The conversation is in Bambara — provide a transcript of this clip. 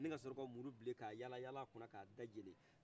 ni ka sɔrɔ ka muru bilen k' a yala yala a kun na k'a da jeni